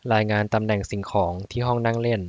รายงานตำแหน่งสิ่งของที่ห้องนั่งเล่น